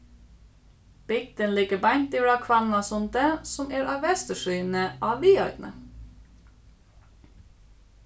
bygdin liggur beint yvir av hvannasundi sum er á vestursíðuni á viðoynni